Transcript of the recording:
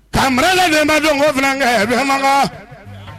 Ka maralabenbajɔ a bima